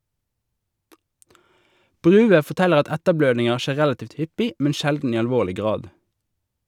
Bruwe forteller at etterblødninger skjer relativt hyppig, men sjelden i alvorlig grad.